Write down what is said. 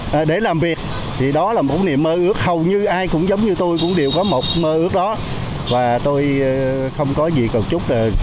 để làm việc thì đó là một niềm mơ ước hầu như ai cũng giống như tôi cũng đều có một mơ ước đó và tôi không có gì cần chúc